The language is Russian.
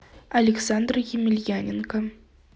александр емельяненко